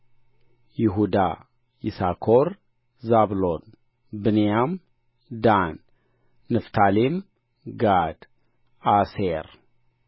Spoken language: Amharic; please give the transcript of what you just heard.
ይሁዳ ይሳኮር ዛብሎን ብንያም ዳን ንፍታሌም ጋድ አሴር